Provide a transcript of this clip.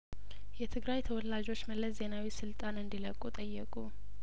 የትግራይ ተወላጆች መለስ ዜናዊ ስልጣን እንዲለቁ ጠየቁ